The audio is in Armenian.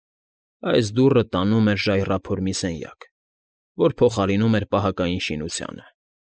Այս դուռը տանում էր ժայռափոր մի սենյակ, որ փոխարինում էր պահակային շինությունը։